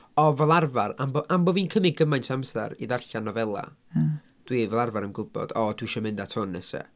O fel arfer am bo' am bo' fi'n cymryd gymaint o amser i ddarllen nofelau ... ie ...dwi fel arfer yn gwybod "o, dwi isio mynd at hwn nesa."